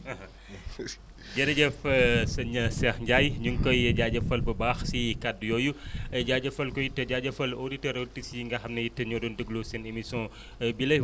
jërëjëf sëñ Cheikh Ndiaye ñu ngi koy jaajëfal bu baax si kàddu yooyu jaajëfal ko it jaajëfal auditeurs auditrices yi nga xam ne it ñoo doon déglu seen émission bile